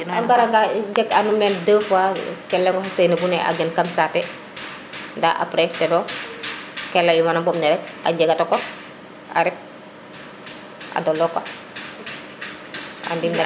a ngara ŋa jeg anum meen 2 fois leŋ oxe Seynabou ne e a gen kam saate nda aprés teno ke leyma no ɓoɓ ne rek a jega ta kor a ret a doloka